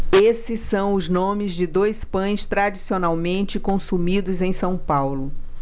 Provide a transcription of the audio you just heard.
esses são os nomes de dois pães tradicionalmente consumidos em são paulo